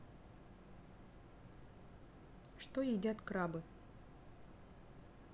что едят крабы